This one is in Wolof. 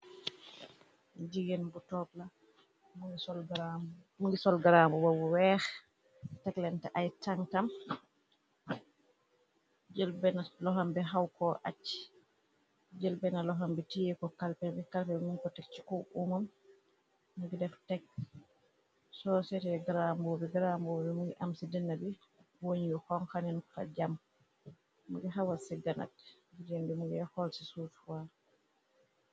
Jigeen bu toogla mu ngi sol graambu ba bu weex teglente ay tankam. Jel bena loxam bi xawko aj, jel bena loxam bi tiyeeko kalpe bi kalpe minko tek ci kaw umam. Mungi def tek, soo sete graambu bi graambu bi mungi am ci dina bi woñ yu xonxa ninufa jam. Mungi xawal céga nak, jigéen bi mungay xool ci suuf waa.